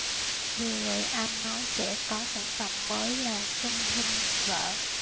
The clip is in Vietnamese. vừa rồi anh nói sẽ có sản phẩm mới là xuân hinh nịnh vợ